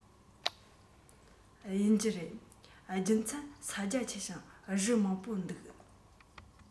ཡིན རྒྱུ རེད རྒྱུ མཚན ས རྒྱ ཆེ ཞིང རི མང པོ འདུག